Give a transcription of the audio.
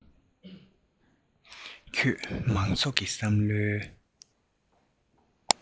ཁྱོད མང ཚོགས ཀྱི བསམ བློའི